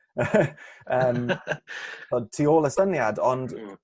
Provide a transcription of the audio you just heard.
yym t'od tu ôl y syniad ond... Hmm.